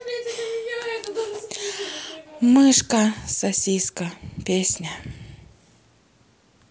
мышка сосиска песня